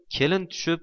kelin tushib